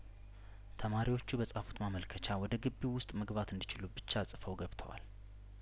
ተማሪዎቹ በጻፉት ማመልከቻ ወደ ግቢው ውስጥ መግባት እንዲችሉ ብቻ ጽፈው ገብተዋል